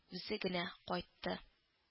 Үзе генә кайтты